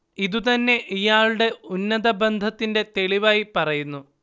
ഇത് തന്നെ ഇയാളുടെ ഉന്നത ബന്ധത്തിന്റെ തെളിവായി പറയുന്നു